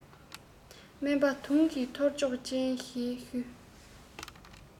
སྨན པ དུང གི ཐོར ཅོག ཅན ཞེས ཞུ ལ